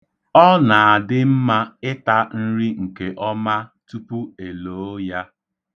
Ọ na-adị mma ịta nri nke ọma tupu e loo ya.